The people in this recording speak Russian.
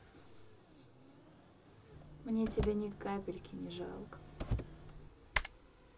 мне тебя ни капельки не жалко